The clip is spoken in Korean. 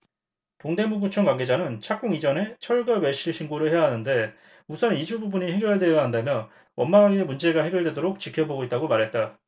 동대문구청 관계자는 착공 이전에 철거 멸실 신고를 해야 하는데 우선 이주 부분이 해결돼야 한다며 원만하게 문제가 해결되도록 지켜보고 있다고 말했다